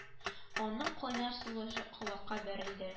Аның кайнар сулышы колакка бәрелде